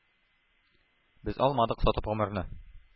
Без алмадык сатып гомерне,